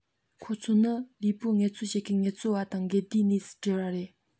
ཁོ ཚོ ནི ལུས པོའི ངལ རྩོལ བྱེད མཁན ངལ རྩོལ པ དང འགལ ཟླའི གནས སུ གྱུར པ རེད